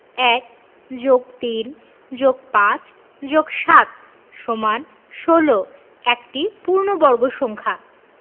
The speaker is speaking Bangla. ১+৩+৫+৭=১৬ একটি পূর্ণবর্গ সংখ্যা